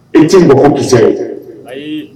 I tɛ mɔgɔw kisɛ ye